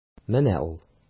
Менә ул.